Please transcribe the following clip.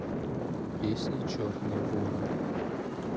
песня черный ворон